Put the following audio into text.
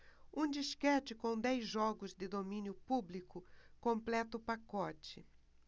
um disquete com dez jogos de domínio público completa o pacote